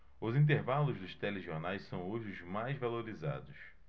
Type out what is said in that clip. os intervalos dos telejornais são hoje os mais valorizados